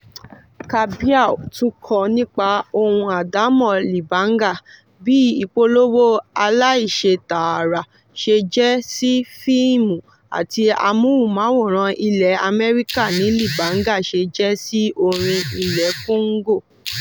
Cabiau tún kọ nípa ohun àdámọ̀ "libanga." Bí ìpolówó aláìṣetààrà ṣe jẹ́ sí fíìmù àti amóhùnmáwòrán ilẹ̀ America ni Libanga ṣe jẹ́ sí orin ilẹ̀ Congo.